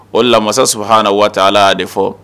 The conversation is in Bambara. O lamasa su hha na waati ala y'a de fɔ